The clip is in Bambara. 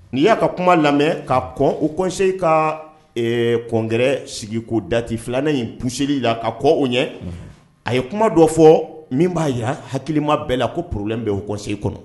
N'i y'a ka kuma lamɛn ka u kɔnse ka kɔnkɛɛrɛ sigiko dati filanan in kunsli la ka kɔ o ɲɛ a ye kuma dɔ fɔ min b'a jira hakilikilima bɛɛ la ko porolen bɛɔse kɔnɔ